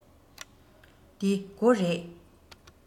འདི སྒོ རེད